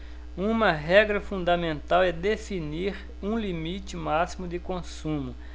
uma regra fundamental é definir um limite máximo de consumo